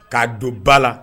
K'a don ba la